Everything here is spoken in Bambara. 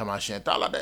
Adama siɲɛ t' a la dɛ!